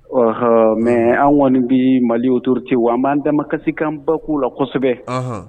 Ɔhɔ mɛ an kɔni bɛ mali otote an b'an dama kasisi kan bako la kosɛbɛ